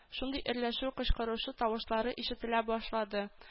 Шундый әрләшү, кычкырышу тавышлары ишетелә башлады